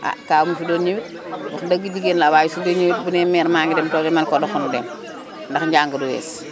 ha Kaaw bi fi doon ñew it wax dëgg jigéen laa waaye su dee ñew it bu nee meer maa ngi dem tool yi mane ko doxal ñu dem ndax njàng du wees